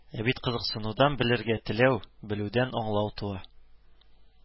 Ә бит кызыксынудан белергә теләү, белүдән аңлау туа